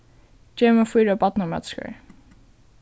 gev mær fýra barnamatskráir